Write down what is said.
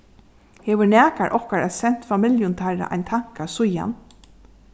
hevur nakar okkara sent familjum teirra ein tanka síðan